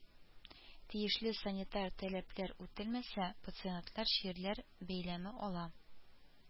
Тиешле санитар таләпләр үтәлмәсә, пациентлар чирләр бәйләме ала